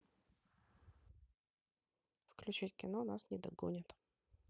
включить кино нас не догонят